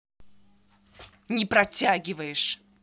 не протягиваешь